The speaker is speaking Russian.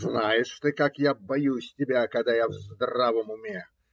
Знаешь ты, как я боюсь тебя, когда я в здравом уме?